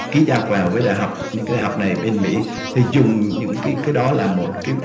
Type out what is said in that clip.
ký giao kèo với đại học những cái đại học này bên mỹ thì dùng những cái cái đó là một cái